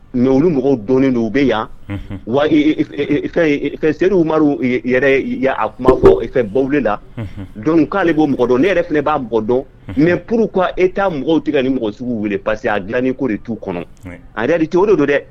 Mɛ olu mɔgɔw donɔni don u bɛ yan wa seduwru a kuma baw la dɔn k'ale bɔ mɔgɔ dɔn ne yɛrɛ fana b'a bɔ dɔn mɛ pur ka e taa mɔgɔw tigɛ ni mɔgɔ sugu wele parce que y'a dilani ko de t'u kɔnɔ a yɛrɛ cɛ o don dɛ